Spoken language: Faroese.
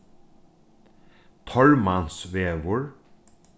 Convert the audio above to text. tormansvegur